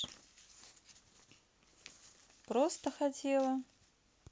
просто хотела